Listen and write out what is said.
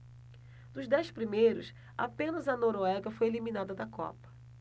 dos dez primeiros apenas a noruega foi eliminada da copa